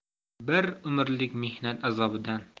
bir umrlik mehnat azobidan